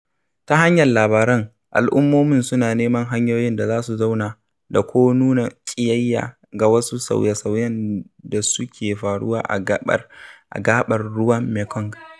Ta hanyar labaran, al'ummomin suna neman hanyoyin da za su zauna da ko nuna ƙiyayya ga wasu sauye-sauyen da suke faruwa a gaɓar ruwan Mekong.